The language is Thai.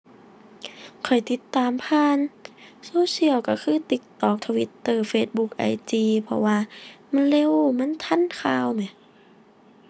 ข้อยติดตามผ่านโซเชียล ก็คือ TikTok Twitter Facebook IG เพราะว่ามันเร็ว มันทันข่าวแหม